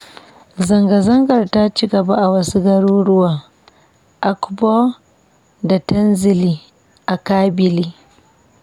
Zangazangar ta ci gaba a wasu garuruwan: Akbou da Tazmalt a Kabylie.